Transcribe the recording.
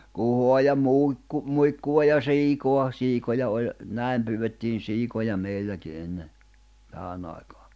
kuhaa ja - muikkua ja siikaa siikoja oli näin pyydettiin siikoja meilläkin ennen tähän aikaan